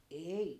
ei